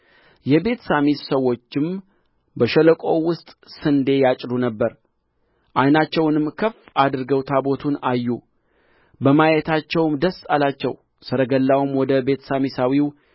የቤትሳሚስ ሰዎችም በሸለቆው ውስጥ ስንዴ ያጭዱ ነበር ዓይናቸውንም ከፍ አድርገው ታቦቱን አዩ በማየታቸውም ደስ አላቸው ሰረገላውም ወደ ቤትሳሚሳዊው